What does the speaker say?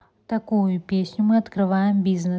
такую песню мы открываем бизнес